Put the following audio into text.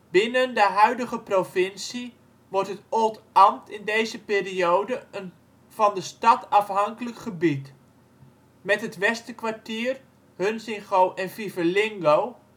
Binnen de huidige provincie wordt het Oldambt in deze periode een van de stad afhankelijk gebied. Met het Westerkwartier, Hunsingo en Fivelingo